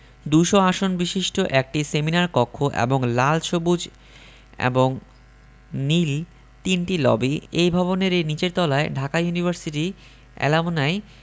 ২০০ আসন বিশিষ্ট একটি সেমিনার কক্ষ এবং লাল সবুজ এবং নীল তিনটি লবি এ ভবনেরই নিচের তলায় ঢাকা ইউনিভার্সিটি এলামনাই